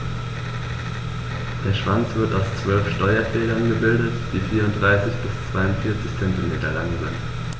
Der Schwanz wird aus 12 Steuerfedern gebildet, die 34 bis 42 cm lang sind.